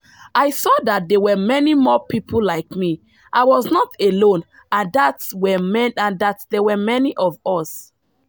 I saw that there were many more people like me, I was not alone and that there were many of us!